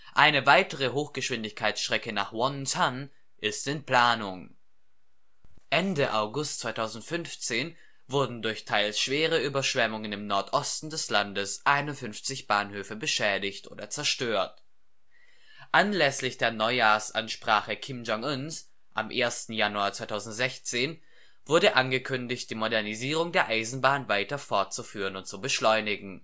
Eine weitere Hochgeschwindigkeitsstrecke nach Wŏnsan ist in Planung. Ende August 2015 wurden durch teils schwere Überschwemmungen im Nordosten des Landes 51 Bahnhöfe beschädigt oder zerstört. Anlässlich der Neujahresansprache Kim Jong-uns am 1. Januar 2016 wurde angekündigt, die Modernisierung der Eisenbahn weiter fortzuführen und zu beschleunigen